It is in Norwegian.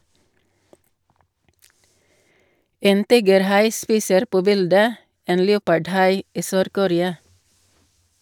En tigerhai spiser på bildet en leopardhai i Sør-Korea.